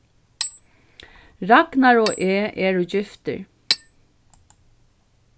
ragnar og eg eru giftir